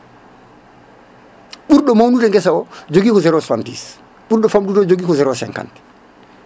ɓuurɗo mawnude guesa o jogui ko 0 70 ɓuurɗo famɗude jogui ko 0 50